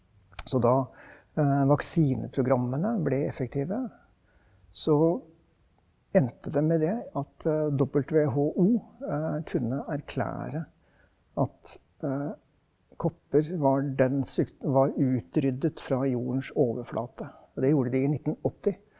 så da vaksineprogrammene ble effektive så endte det med det at WHO kunne erklære at kopper var den var utryddet fra jordens overflate, og det gjorde de i nittenåtti.